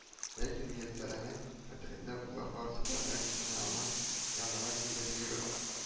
Ләкин мияссәрәнең хәтерендә болар барысы да нәкъ менә аның янына килеп йөрү